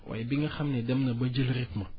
waaye bi nga xam ne dem na ba jël rythme